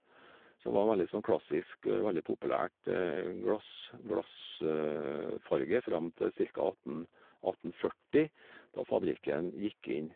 Som var en veldig sånn klassisk, veldig populært glass glassfarge fram til cirka atten atten førti, da fabrikken gikk inn.